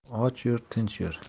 och yur tinch yur